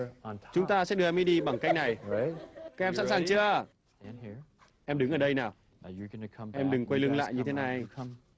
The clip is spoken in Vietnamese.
chúng ta sẽ đưa em ấy đi bằng cách này các em sẵn sàng chưa em đứng ở đây nào em đừng quay lưng lại như thế này